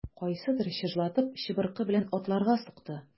Кайсыдыр чыжлатып чыбыркы белән атларга сукты.